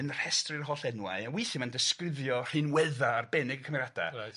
yn rhestru'r holl enwau a weithie mae'n disgrifio rhinwedda arbennig cymeriada. Reit.